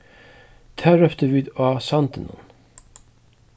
tað róptu vit á sandinum